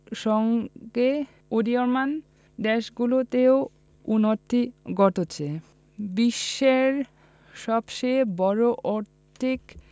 সঙ্গে উদীয়মান দেশগুলোতেও উন্নতি ঘটছে বিশ্বের সবচেয়ে বড় আর্থিক